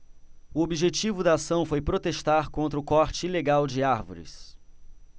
o objetivo da ação foi protestar contra o corte ilegal de árvores